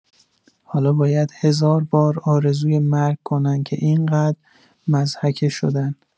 حالا باید هزار بار آرزوی مرگ کنن که اینقد مضحکه شدن